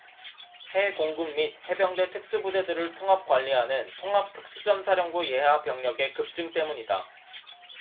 해 공군및 해병대 특수부대들을 통합 관리하는 통합특수전사령부 예하 병력의 급증 때문이다